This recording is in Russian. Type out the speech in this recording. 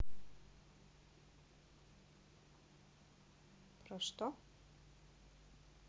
про что